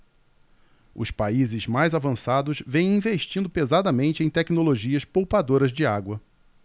os países mais avançados vêm investindo pesadamente em tecnologias poupadoras de água